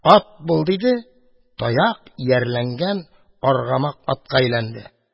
«ат бул!» – диде, таяк иярләгән аргамак атка әйләнде.